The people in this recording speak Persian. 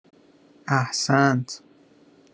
احسنت!